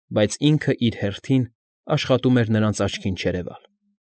Բայց ինքը իր հերթին աշխատում էր նրանց աչքին չերևալ։